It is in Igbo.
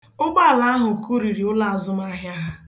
Ụgbọala ahụ kụriri ụlọ azụmahịa ha